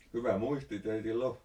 hyvä muisti teillä on